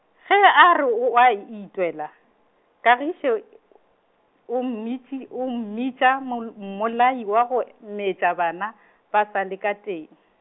ge a re oa i itwela, Kagišo , o mmitši, o mmitša mmol- mmolai wa go metša bana, ba sa le ka teng.